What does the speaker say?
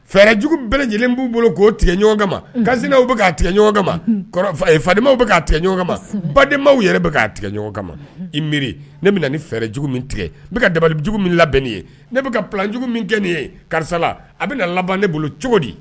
Fɛɛrɛjugu bɛɛ lajɛlen b'u bolo k'o tigɛ ɲɔgɔn kanzinaw bɛ k' tigɛ ɲɔgɔn fadenmaw bɛ k' tigɛ ɲɔgɔn badenma yɛrɛ bɛ tigɛ ɲɔgɔn i miiri ne bɛ fɛɛrɛjugu tigɛ ka dabalijugu min labɛn nin ye ne bɛ kalanjugu min kɛ nin ye karisala a bɛ na laban ne bolo cogo di